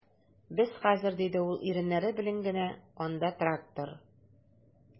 Без хәзер, - диде ул иреннәре белән генә, - анда трактор...